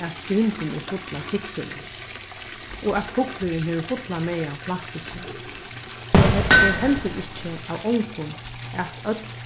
at grindin er full av kviksilvuri og at fuglurin hevur fullan maga av plastikki er heldur ikki av ongum at øll